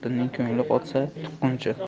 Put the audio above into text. xotinning ko'ngli qolsa tuqquncha